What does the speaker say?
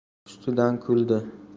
ustidan kuldi